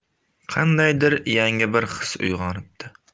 qandaydir yangi bir his uyg'onibdi